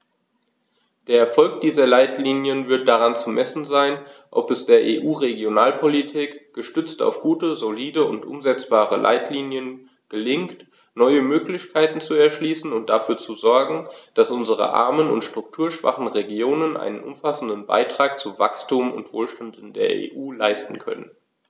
Der Erfolg dieser Leitlinien wird daran zu messen sein, ob es der EU-Regionalpolitik, gestützt auf gute, solide und umsetzbare Leitlinien, gelingt, neue Möglichkeiten zu erschließen und dafür zu sorgen, dass unsere armen und strukturschwachen Regionen einen umfassenden Beitrag zu Wachstum und Wohlstand in der EU leisten können.